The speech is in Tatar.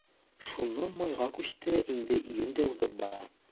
Шуннан майга күчте, инде июнь дә узып бара.